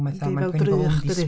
yndy fel drych dydi